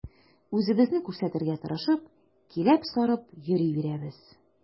Үзебезне күрсәтергә тырышып, киләп-сарып йөри бирәбез.